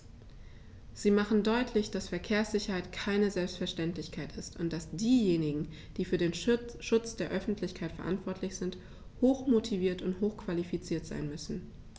Sie machen deutlich, dass Verkehrssicherheit keine Selbstverständlichkeit ist und dass diejenigen, die für den Schutz der Öffentlichkeit verantwortlich sind, hochmotiviert und hochqualifiziert sein müssen.